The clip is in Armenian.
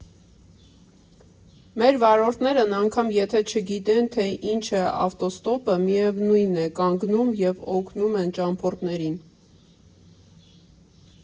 Մեր վարորդներն անգամ եթե չգիտեն, թե ինչ է ավտոստոպը, միևնույն է, կանգնում և օգնում են ճամփորդներին։